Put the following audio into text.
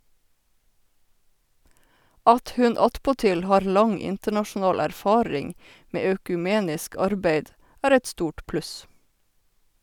At hun attpåtil har lang internasjonal erfaring med økumenisk arbeid er et stort pluss.